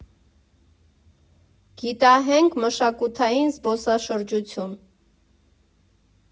Գիտահենք մշակութային զբոսաշրջություն։